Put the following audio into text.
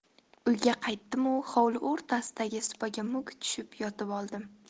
uyga qaytdimu hovli o'rtasidagi supaga muk tushib yotib oldim